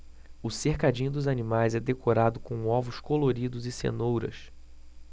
o cercadinho dos animais é decorado com ovos coloridos e cenouras